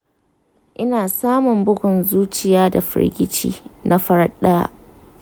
ina samun bugun zuciya da firgici na farat daya.